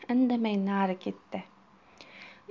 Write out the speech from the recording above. indamay nari ketdi